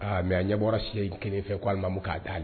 Mɛ a ɲɛ bɔra si in kelen fɛ k'a mamu k'a'a ye